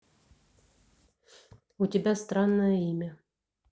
у тебя странное имя